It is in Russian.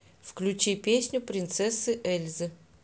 включи песню принцессы эльзы